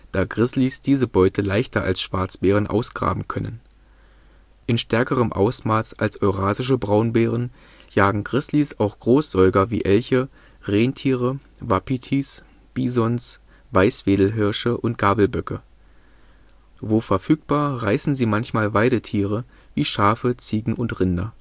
da Grizzlys diese Beute leichter als Schwarzbären ausgraben können. In stärkerem Ausmaß als eurasische Braunbären jagen Grizzlys auch Großsäuger wie Elche, Rentiere, Wapitis, Bisons, Weißwedelhirsche und Gabelböcke. Wo verfügbar, reißen sie manchmal Weidetiere wie Schafe, Ziegen und Rinder